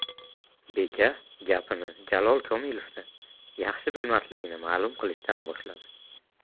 beka gapini jalol komilovni yaxshi bilmasligini ma'lum qilishdan boshladi